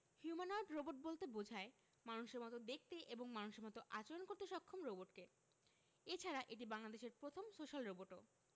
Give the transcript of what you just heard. humanoid robot বলতে বোঝায় মানুষের মতো দেখতে এবং মানুষের মতো আচরণ করতে সক্ষম রোবটকে এছাড়া এটি বাংলাদেশের প্রথম সোশ্যাল রোবটও